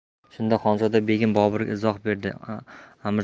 shunda xonzoda begim boburga izoh berdi amirzodam